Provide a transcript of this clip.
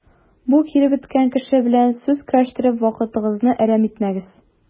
Бу киребеткән кеше белән сүз көрәштереп вакытыгызны әрәм итмәгез.